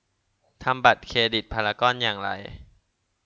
ทำบัตรเครดิตพารากอนอย่างไร